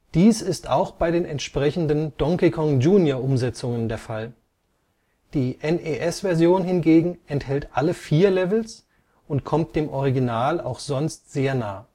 Dies ist auch bei den entsprechenden Donkey Kong Jr.-Umsetzungen der Fall; die NES-Version hingegen enthält alle vier Levels und kommt dem Original auch sonst sehr nah